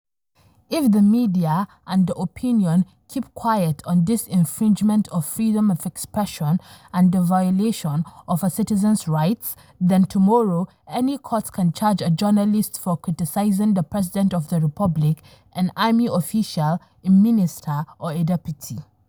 If the media and the opinion keep quiet on this infringement of freedom of expression and the violation of a citizen's rights, then tomorrow any court can charge a journalist for criticizing the president of the republic, an army official, a minister or a deputy.